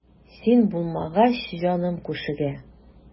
Син булмагач җаным күшегә.